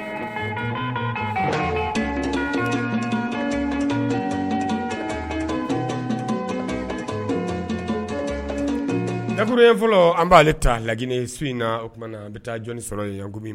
dakuruɲɛ fɔlɔ an b'a ale ta La Guinée su in na o tuma na an bɛ taa jɔnni sɔrɔ ye an ko min ma